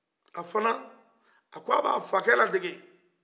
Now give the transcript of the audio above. a fana a ko ko a bɛ a fakɛ ladege